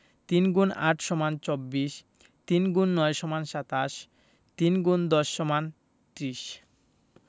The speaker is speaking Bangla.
৩ X ৮ = ২৪ ৩ X ৯ = ২৭ ৩ ×১০ = ৩০